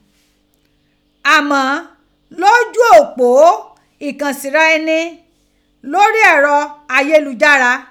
Amo loju opo ikansira ẹni lori ẹrọ ayelujara.